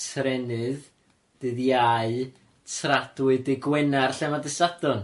trennydd, dydd Iau, tradwy dy' gwenar lle ma' dy' Sadwrn?